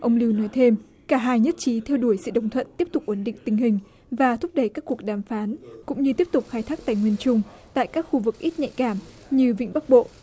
ông lưu nói thêm cả hai nhất trí theo đuổi sự đồng thuận tiếp tục ổn định tình hình và thúc đẩy các cuộc đàm phán cũng như tiếp tục khai thác tài nguyên trung tại các khu vực ít nhạy cảm như vịnh bắc bộ